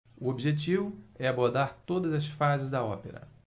o objetivo é abordar todas as fases da ópera